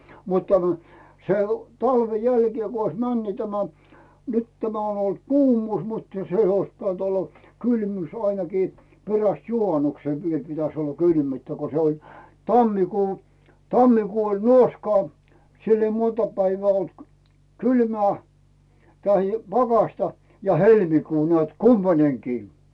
mutta tämä se on talven jälkeen kun olisi mennyt niin tämä nyt tämä on ollut kuumuus mutta se olisi pitänyt olla kylmyys ainakin perästä juhanuksen vielä pitäisi olla kylmyyttä kun se oli tammikuu tammikuu oli nuoskaa sillä ei monta päivää ollut kylmää tai pakkasta a helmikuu näet kumpainenkin